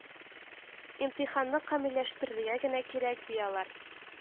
Имтиханны камилләштерергә генә кирәк, ди алар